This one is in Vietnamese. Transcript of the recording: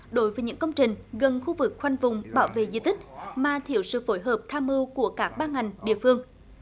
đối với những công trình gần khu vực khoanh vùng bảo vệ di tích mà thiếu sự phối hợp tham mưu của các ban ngành địa phương